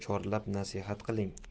chorlab nasihat qiling